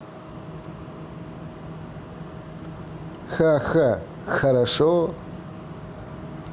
ха ха хорошо